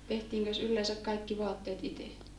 tehtiinkös yleensä kaikki vaatteet itse